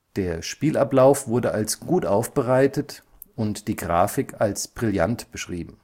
Der Spielablauf wurde als gut aufbereitet und die Grafik als brillant beschrieben